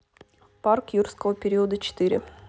парк юрского периода четыре